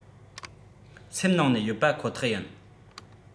སེམས ནང ནས ཡོད པ ཁོ ཐག ཡིན